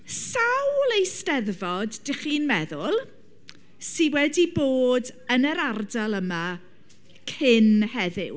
Sawl eisteddfod, dych chi'n meddwl, sy wedi bod yn yr ardal yma cyn heddiw?